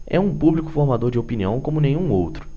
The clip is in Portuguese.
é um público formador de opinião como nenhum outro